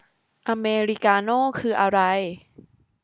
อเมริกาโน่คืออะไร